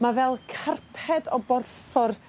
ma' fel carped o borffor